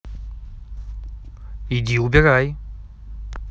иди убирай